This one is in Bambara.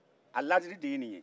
a lasili de ye nin ye